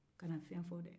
kana fɛn fɔ dɛ